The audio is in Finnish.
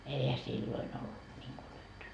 eihän silloin ollut niin kuin nyt